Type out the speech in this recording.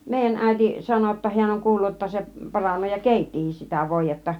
meidän äiti sanoi jotta hän on kuullut jotta se paranee ja keittikin sitä voidetta